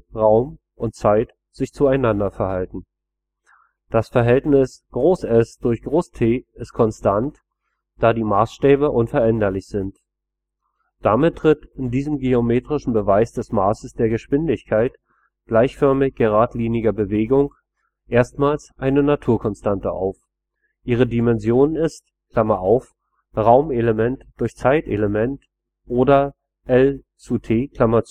Raum “und „ Zeit “sich zueinander verhalten. Das Verhältnis S / T {\ displaystyle S/T} ist konstant, da die Maßstäbe unveränderlich sind. Damit tritt in diesem geometrischen Beweis des Maßes der Geschwindigkeit gleichförmig-geradliniger Bewegung erstmals eine Naturkonstante auf; ihre Dimension ist [Raumelement durch Zeitelement, oder L/T]. Sie